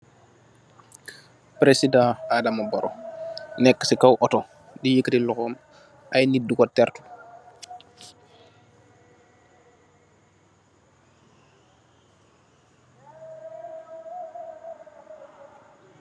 President Adama Barrow, nek si kaw auto, di yeketi lokhom, aye nit diko tertu.